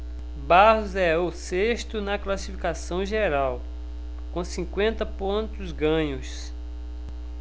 barros é o sexto na classificação geral com cinquenta pontos ganhos